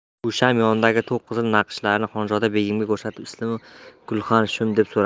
u sham yonidagi to'q qizil naqshlarni xonzoda begimga ko'rsatib islimi gulxan shumi deb so'radi